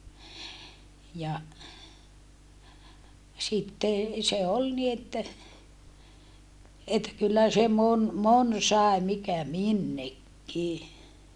ja sitten se oli niin että että kyllä se moni moni sai mikä minnekin